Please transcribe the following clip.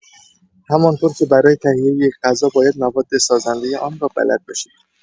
همانطور که برای تهیه یک غذا باید مواد سازنده آن را بلد باشید.